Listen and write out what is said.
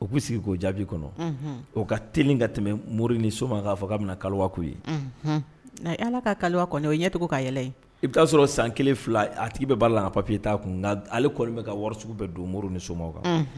U'i sigi k'o jaabi kɔnɔ o ka t ka tɛmɛ mori ni soma k'a fɔ ka na kaliwakuu ye ala ka kaliwa kɔnɔ wa ɲɛcogo k'a yɛlɛ i bɛ'a sɔrɔ san kelen fila a tigi bɛ' la a papiye t'a kun nka ale kɔ bɛ ka wari sugu bɛ don mori ni soma kan